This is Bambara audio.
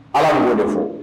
Ala y'a' de fɔ